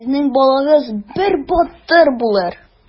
Сезнең балагыз бер батыр булыр.